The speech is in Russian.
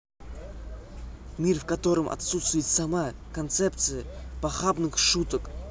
мир в котором отсутствует сама концепция похабных шуток